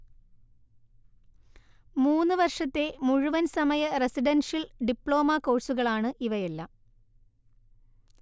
മൂന്നുവർഷത്തെ മുഴുവൻ സമയ residential diploma കോഴ്സുകളാണ് ഇവയെല്ലാം